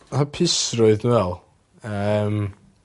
A hapusrwydd dwi me'wl yym.